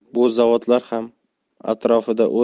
bu zavodlar ham atrofida o'z